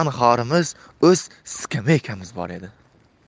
anhorimiz o'z skameykamiz bor edi